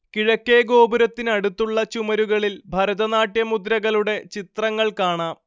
കിഴക്കേ ഗോപുരത്തിനടുത്തുള്ള ചുമരുകളിൽ ഭരതനാട്യ മുദ്രകളുടെ ചിത്രങ്ങൾ കാണാം